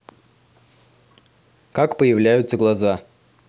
как появляются глаза